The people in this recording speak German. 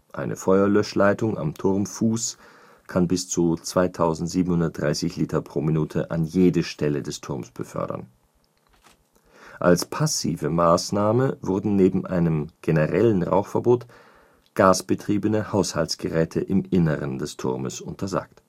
Eine Feuerlöschleitung am Turmfuß kann bis zu 2730 Liter pro Minute an jede Stelle des Turms befördern. Als passive Maßnahme wurden neben einem generellen Rauchverbot gasbetriebene Haushaltsgeräte im Inneren des Turmes untersagt